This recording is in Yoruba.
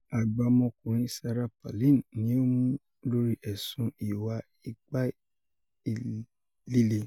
Àgbà ọmọ ọkùnrin Sarah Palin ni a mú lóri ẹsùn Ìwà ìpá ìlè.